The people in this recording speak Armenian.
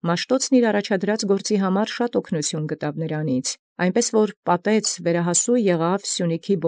Բազում աւգնականութիւն գտեալ ի նմանէ վասն իրացն առաջի արկելոցն, մինչև հասանել նմա բովանդակ ի վերայ սահմանաց Սիւնեաց։